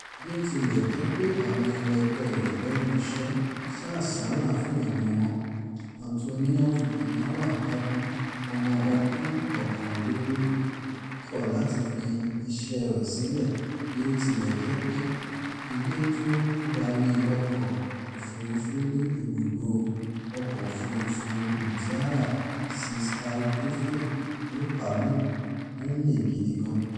Bí ó tilẹ̀ jẹ́ pé àwọn ẹlẹgbẹ́ ẹ̀ lẹ́nu iṣẹ́ sá àsálà fún ẹ̀mí wọn, Anthonius Gunawan Agung, ọmọ ọdún oókanlélógún (21) kọ̀ láti fi iṣẹ́ ẹ̀ sílẹ̀ bí ó tilẹ̀ jẹ́ pé ilé tó ń darí ọkọ̀-òfúrufú ní ibùdó ọkọ-òfúrufú Mutiara Sis Al Jufri ní Palu ń mì gidi gan-an.